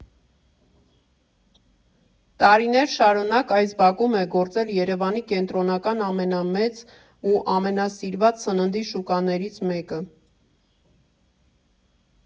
Տարիներ շարունակ այս բակում է գործել Երևանի կենտրոնական ամենամեծ ու ամենասիրված սննդի շուկաներից մեկը։